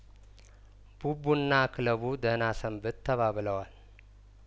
ቡቡና ክለቡ ደህና ሰንብት ተባብለዋል